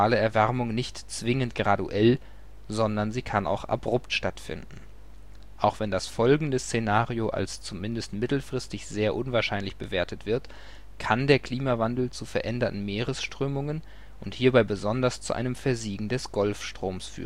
Erwärmung nicht zwingend graduell, sondern sie kann auch abrupt stattfinden. Auch wenn das folgende Szenario als zumindest mittelfristig sehr unwahrscheinlich bewertet wird, kann der Klimawandel zu veränderten Meeresströmungen und hierbei besonders zu einem Versiegen des Golfstroms